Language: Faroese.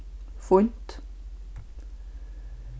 fínt